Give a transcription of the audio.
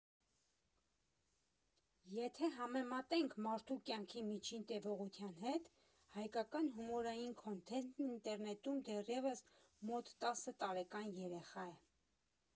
Եթե համեմատենք մարդու կյանքի միջին տևողության հետ, հայկական հումորային քոնթենթն ինտերնետում դեռևս մոտ տասը տարեկան երեխա է։